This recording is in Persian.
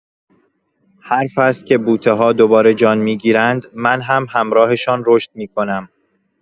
هر فصل که بوته‌ها دوباره جان می‌گیرند، من هم همراهشان رشد می‌کنم.